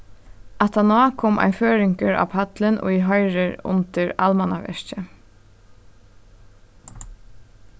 aftaná kom ein føroyingur á pallin ið hoyrir undir almannaverkið